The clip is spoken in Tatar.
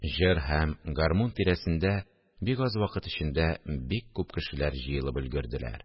Җыр һәм гармун тирәсендә бик аз вакыт эчендә бик күп кешеләр җыелып өлгерделәр